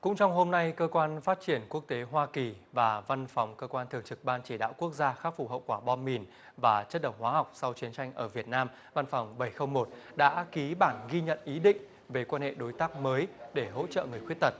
cũng trong hôm nay cơ quan phát triển quốc tế hoa kỳ và văn phòng cơ quan thường trực ban chỉ đạo quốc gia khắc phục hậu quả bom mìn và chất độc hóa học sau chiến tranh ở việt nam văn phòng bảy không một đã ký bản ghi nhận ý định về quan hệ đối tác mới để hỗ trợ người khuyết tật